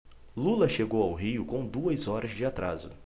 lula chegou ao rio com duas horas de atraso